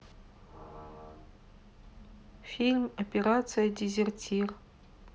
фильм операция дезертир